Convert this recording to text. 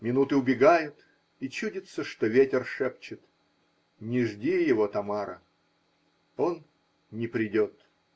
Минуты убегают, и чудится, что ветер шепчет: "не жди его, Тамара, он не придет"!